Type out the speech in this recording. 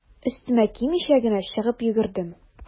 Өстемә кимичә генә чыгып йөгердем.